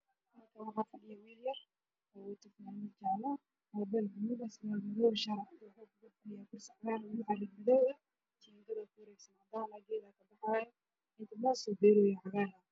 Waa wiil yar oo wato shaati jaale ah